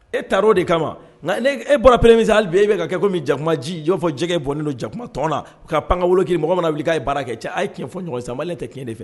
E tala o de kama nka n'e e bɔra premier minisiriya la hali bi e bɛ ka kɛ comme jakuma ji, i b'a fɔ jɛgɛ bɔnnen don jakuma tɔn na. Ka pan ka woloki, mɔgɔw mana wili k'a ye baara kɛ. Cɛ a ye tiɲɛ fɔ ɲɔgɔn ye sa, maliyɛn tɛ tiɲɛ de fɛ.